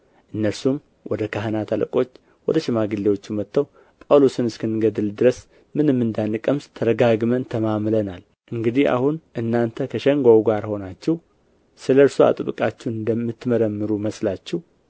እነርሱም ወደ ካህናት አለቆችና ወደ ሽማግሌዎቹ መጥተው ጳውሎስን እስክንገድል ድረስ ምንም እንዳንቀምስ ተረጋግመን ተማምለናል እንግዲህ አሁን እናንተ ከሸንጎው ጋር ሆናችሁ ስለ እርሱ አጥብቃችሁ እንደምትመረምሩ መስላችሁ